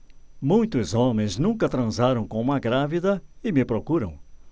muitos homens nunca transaram com uma grávida e me procuram